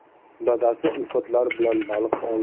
dadasi ulfatlari bilan